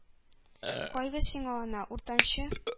— кайгы сиңа, ана, уртанчы